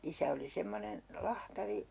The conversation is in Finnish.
isä oli semmoinen lahtari